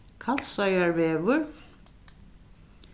kalsoyarvegur